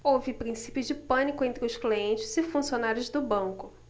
houve princípio de pânico entre os clientes e funcionários do banco